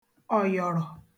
ọ̀yọ̀rọ̀